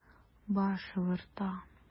Баш авырта.